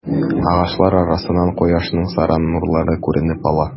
Агачлар арасыннан кояшның саран нурлары күренеп ала.